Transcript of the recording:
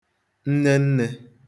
nnennē